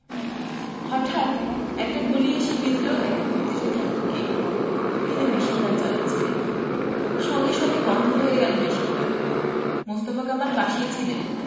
হঠাৎ একটা গুলি এসে বিঁধল এক মুক্তিযোদ্ধার বুকে তিনি মেশিনগান চালাচ্ছিলেন সঙ্গে সঙ্গে বন্ধ হয়ে গেল মেশিনগান মোস্তফা কামাল পাশেই ছিলেন